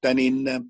'dan ni'n yym